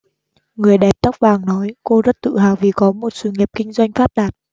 người đẹp tóc vàng nói cô rất tự hào vì có một sự nghiệp kinh doanh phát đạt